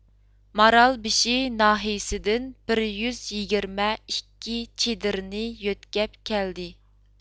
مارالبېشى ناھىيىسىدىن بىر يۈز يىگىرمە ئىككى چېدىرنى يۆتكەپ كەلدى